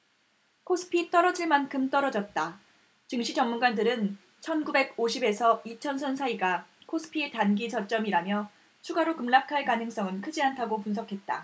코스피 떨어질 만큼 떨어졌다증시 전문가들은 천 구백 오십 에서 이천 선 사이가 코스피의 단기 저점이라며 추가로 급락할 가능성은 크지 않다고 분석했다